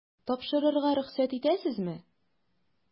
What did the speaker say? Тапшырырга рөхсәт итәсезме? ..